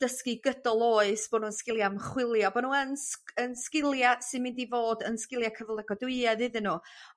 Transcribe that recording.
dysgu gydol oes bo' nw'n sgilia ymchwilio bo' nw yn sg- yn sgilia sy'n mynd i fod yn sgilia' cyfylygodwyedd iddyn nhw.